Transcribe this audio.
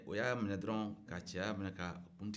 o y'a minɛ dɔrɔn ka cɛya minɛ ka kun tigɛ